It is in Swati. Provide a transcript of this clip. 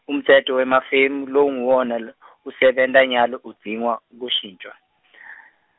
umtsetfo wemafemu longuwona , usebenta nyalo udzinga kushintjwa .